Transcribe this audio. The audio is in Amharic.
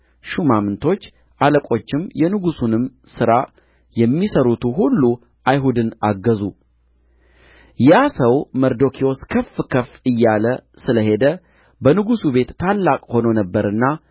ሹማምቶች አለቆችም የንጉሡንም ሥራ የሚሠሩቱ ሁሉ አይሁድን አገዙ ያ ሰው መርዶክዮስ ከፍ ከፍ እያለ ስለ ሄደ በንጉሡ ቤት ታላቅ ሆኖ ነበርና